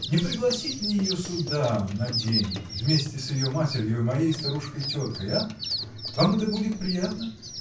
Не пригласить ли ее сюда на день вместе с ее матерью и моей старушкой-теткой, а? Вам это будет приятно?